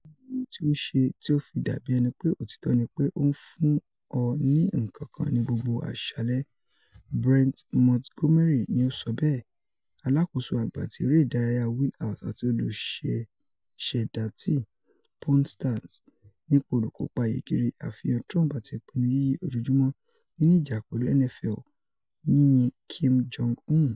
”Lara ohun ti o n ṣe ti o fi dabi ẹni pe otitọ ni pe o n fun ọ ni nnkankan ni gbogbo aṣalẹ,” Brent Montgomery ni o sọ bẹẹ, alakoso agba ti Ere Idaraya Wheelhouse ati oluṣẹdati “Pawn Stars,”nipa olukopa iyikiri afihan Trump ati ipinnu yiyi ojoojumọ (nini ija pẹlu N.F.L.,yinyin Kim Jong-un).